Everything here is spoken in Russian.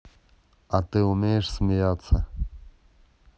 а ты умеешь смеяться